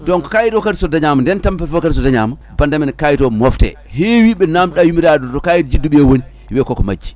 donc kayit o kadi so dañama nden tampere foof kadi so dañama bandam en kayit o mofte heewi ɓe namdiɗa yummiraɗo ɗo kayit juddu ɓiite woni wiya koko majji